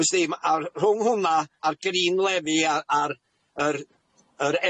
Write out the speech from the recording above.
Felly a- a'r rhwng hwnna a'r grîn lefi a a'r yr yr